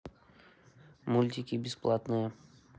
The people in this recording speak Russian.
мультики бесплатные